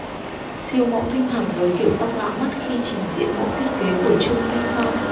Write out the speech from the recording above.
siêu mẫu thanh hằng với kiểu tóc lạ mắt khi trình diễn mẫu thiết kế của chung thanh phong